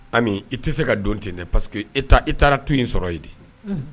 I tɛ se ka don ten dɛ pa que i taara to in sɔrɔ yen de